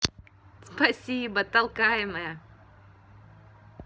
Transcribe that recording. спасибо толкаемая